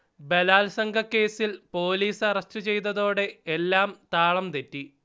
ബലാത്സംഗക്കേസിൽ police arrest ചെയ്തതോടെ എല്ലാം താളം തെറ്റി